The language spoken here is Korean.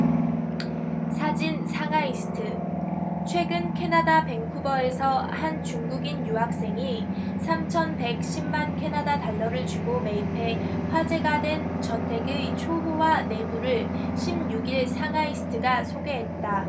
사진 상하이스트최근 캐나다 밴쿠버에서 한 중국인 유학생이 삼천 백 십 만 캐나다 달러를 주고 매입해 화제가 된 저택의 초호화 내부를 십 육 일 상하이스트가 소개했다